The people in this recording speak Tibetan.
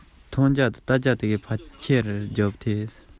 སྐྱོན ཡོད པར ངོས འཛིན བྱས པ མ ཟད